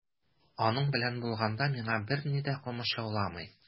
Аның белән булганда миңа берни дә комачауламый.